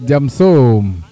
jam soom